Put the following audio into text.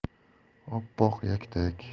oppoq yaktak